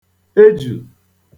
ejù